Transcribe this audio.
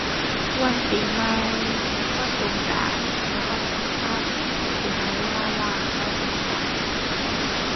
วันปีใหม่ วันสงกรานต์ ให้ความสำคัญ ก็สิหาเวลาว่างมาพ้อกัน